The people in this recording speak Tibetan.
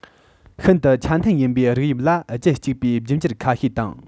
ཤིན ཏུ ཆ མཐུན ཡིན པའི རིགས དབྱིབས ལ རྒྱུད གཅིག པའི རྒྱུད འགྱུར ཁ ཤས དང